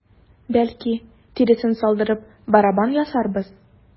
Бәлки, тиресен салдырып, барабан ясарбыз?